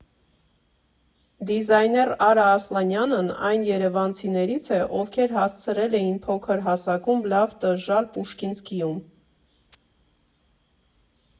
Դիզայներ Արա Ասլանյանն այն երևանցիներից է, ովքեր հասցրել էին փոքր հասակում լավ տժժալ «Պուշկինսկիում»։